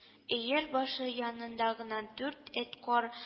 Өер башы янында гына дүрт эт кар